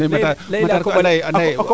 mais matar ko anda ye